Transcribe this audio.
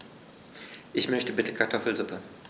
Ich möchte bitte Kartoffelsuppe.